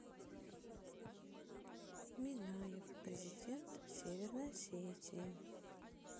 минаева президент северной осетии